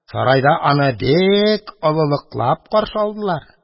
Сарайда аны олылыклап каршы алдылар.